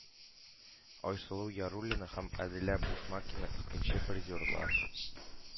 Айсылу Яруллина һәм Аделя Бушмакина – икенче призерлар.